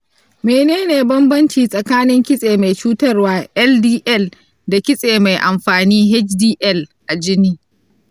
menene bambanci tsakanin kitse mai cutarwa ldl da kitse mai amfani hdl a jini?